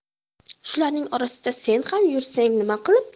shularning orasida sen ham yursang nima qilibdi